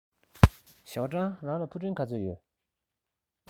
ཞའོ ཀྲང རང ལ ཕུ འདྲེན ག ཚོད ཡོད